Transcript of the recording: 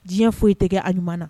Diɲɛ foyi ye tɛgɛ a ɲumanuman na